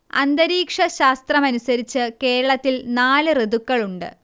അന്തരീക്ഷ ശാസ്ത്രമനുസരിച്ച് കേരളത്തിൽ നാല് ഋതുക്കളുണ്ട്